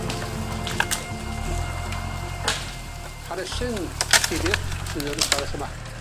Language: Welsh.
Hanesyn difyr sydd yn y stafell yma.